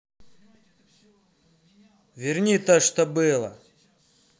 верни то что было